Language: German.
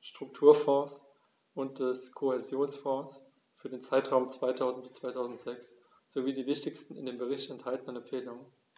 Strukturfonds und des Kohäsionsfonds für den Zeitraum 2000-2006 sowie die wichtigsten in dem Bericht enthaltenen Empfehlungen.